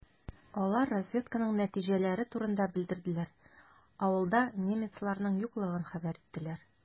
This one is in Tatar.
Алар разведканың нәтиҗәләре турында белдерделәр, авылда немецларның юклыгын хәбәр иттеләр.